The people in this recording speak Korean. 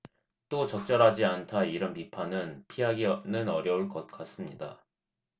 또 적절하지 않다 이런 비판은 피하기는 어려울 것 같습니다